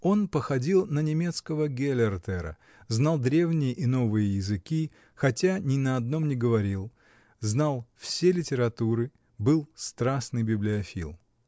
Он походил на немецкого гелертера, знал древние и новые языки, хотя ни на одном не говорил, знал все литературы, был страстный библиофил.